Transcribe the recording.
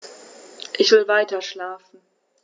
Ich will weiterschlafen.